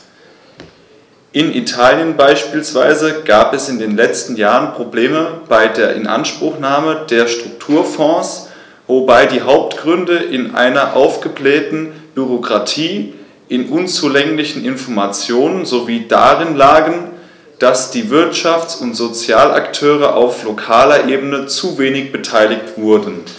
In Italien beispielsweise gab es in den letzten Jahren Probleme bei der Inanspruchnahme der Strukturfonds, wobei die Hauptgründe in einer aufgeblähten Bürokratie, in unzulänglichen Informationen sowie darin lagen, dass die Wirtschafts- und Sozialakteure auf lokaler Ebene zu wenig beteiligt wurden.